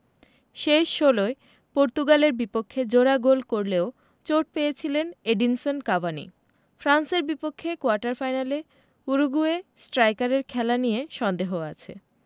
শেষ ষোলোয় পর্তুগালের বিপক্ষে জোড়া গোল করলেও চোট পেয়েছিলেন এডিনসন কাভানি ফ্রান্সের বিপক্ষে কোয়ার্টার ফাইনালে উরুগুয়ে স্ট্রাইকারের খেলা নিয়ে সন্দেহ আছে